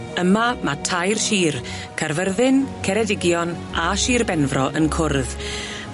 Yma, ma' tair shir Caerfyrddin, Ceredigion, a Shir Benfro yn cwrdd.